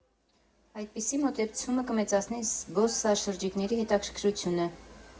Այդպիսի մոտեցումը կմեծացնի զբոսաշրջիկների հետաքրքրությունը։